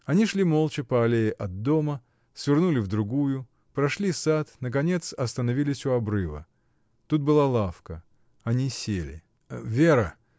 Они шли молча по аллее от дома, свернули в другую, прошли сад, наконец, остановились у обрыва. Тут была лавка. Они сели. — Вера!